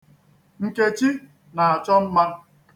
Nkechi na-achọ mma.